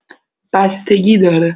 بستگی داره!